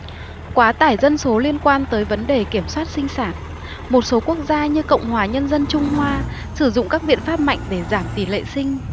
quá tải dân số liên quan tới vấn đề kiểm soát sinh sản một số quốc gia như cộng hòa nhân dân trung hoa sử dụng các biện pháp mạnh để giảm tỷ lệ sinh